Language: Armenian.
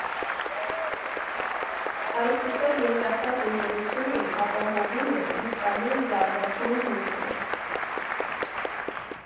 Այսպիսով, երիտասարդ ընկերությունն ապահովում է իր կայուն զարգացման հիմքը։